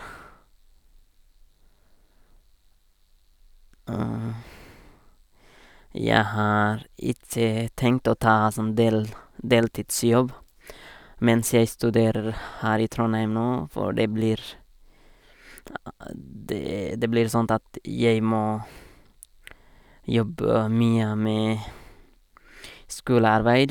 Jeg har ikke tenkt å ta sånn del deltidsjobb mens jeg studerer her i Trondheim nå, for det blir det det blir sånt at jeg må jobbe mye med skolearbeid.